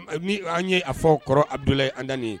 Ni an ye a fɔw kɔrɔ adu anda nin ye